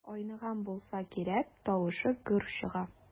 Айныган булса кирәк, тавышы көр чыга.